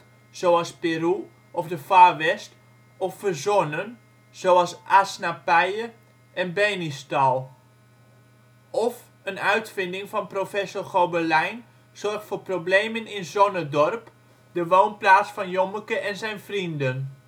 zoals Peru of de Far West, of verzonnen, zoals Asnapije en Benistal), of een uitvinding van professor Gobelijn zorgt voor problemen in Zonnedorp, de woonplaats van Jommeke en zijn vrienden